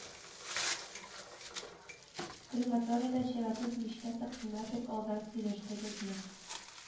Крематорийда чиратсыз мичкә тыксыннар дип алдан сөйләштегезме